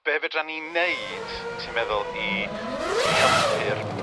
be' fedran ni neud ti'n meddwl i i helpu'r